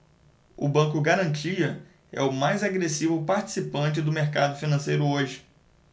o banco garantia é o mais agressivo participante do mercado financeiro hoje